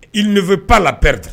I ne fɛ pana la pɛrete